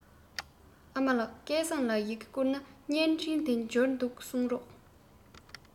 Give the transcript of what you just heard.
ཨ མ ལགས སྐལ བཟང ལ ཡི གེ བསྐུར ན བརྙན འཕྲིན དེ འབྱོར འདུག གསུངས རོགས